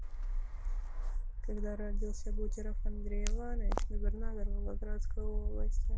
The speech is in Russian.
когда родился бутеров андрей иванович губернатор волгоградской области